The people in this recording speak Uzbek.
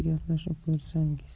bir gaplashib ko'rsangiz